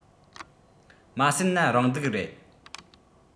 མ སད ན རང སྡུག རེད